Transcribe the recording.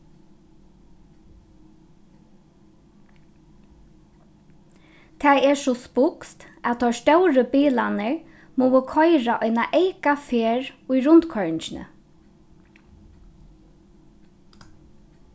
tað er so spískt at teir stóru bilarnir mugu koyra eina eyka ferð í rundkoyringini